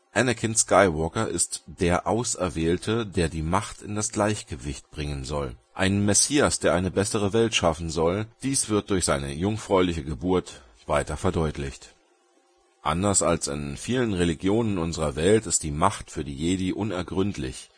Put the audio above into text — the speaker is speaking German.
Anakin Skywalker ist „ der Auserwählte, der die Macht in das Gleichgewicht bringen soll. “Ein Messias, der eine bessere Welt schaffen soll. Dies wird durch seine „ jungfräuliche Geburt “weiter verdeutlicht. Anders als in vielen Religionen unserer Welt ist die Macht für die Jedi unergründlich